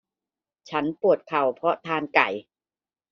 ฉันปวดเข่าเพราะทานไก่